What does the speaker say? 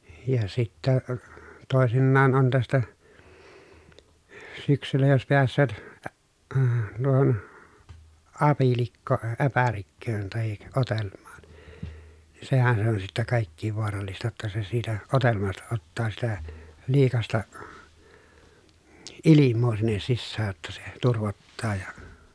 ja sitten toisinaan on tästä syksyllä jos pääsevät -- tuohon apilikkoon äpärikköön tai odelmaan niin sehän se on sitten kaikkein vaarallista jotta se siitä odelmasta ottaa sitä liikaista ilmaa sinne sisään jotta se turvottaa ja